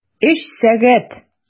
Өч сәгать!